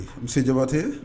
Misi jabatɛ